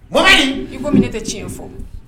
Wara i ko min ne tɛ tiɲɛ fɔ